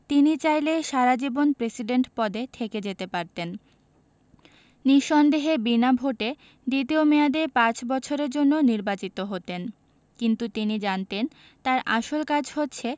তিনি চাইলে সারা জীবন প্রেসিডেন্ট পদে থেকে যেতে পারতেন নিঃসন্দেহে বিনা ভোটে দ্বিতীয় মেয়াদে পাঁচ বছরের জন্য নির্বাচিত হতেন কিন্তু তিনি জানতেন তাঁর আসল কাজ হচ্ছে